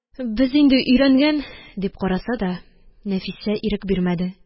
Без инде өйрәнгән! – дип караса да, нәфисә ирек бирмәде.